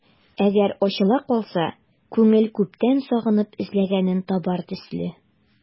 Әгәр ачыла калса, күңел күптән сагынып эзләгәнен табар төсле...